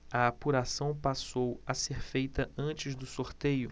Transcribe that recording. a apuração passou a ser feita antes do sorteio